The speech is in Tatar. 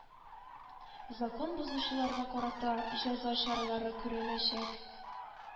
Закон бозучыларга карата җәза чаралары күреләчәк.